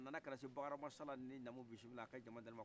a nana ka na se bakaramasala ni namubisimila a ka jama dalen ma